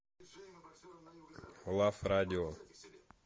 лав радио